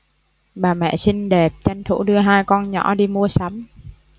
bà mẹ xinh đẹp tranh thủ đưa hai con nhỏ đi mua sắm